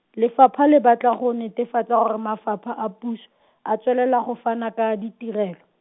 lefapha le batla go netefatsa gore mafapha a puso, a tswelela go fana ka ditirelo.